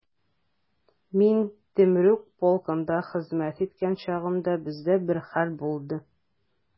Мин Темрюк полкында хезмәт иткән чагымда, бездә бер хәл булды.